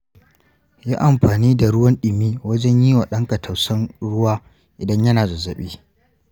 yi amfani da ruwan ɗumi wajen yi wa ɗanka tausan ruwa idan yana zazzabi.